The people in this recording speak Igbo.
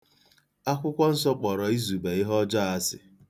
Akwụkwọ Nsọ kpọrọ izube ihe ọjọọ asị.